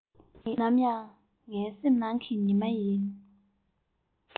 ནམ ཡང ངའི སེམས ནང གི ཉི མ ཡིན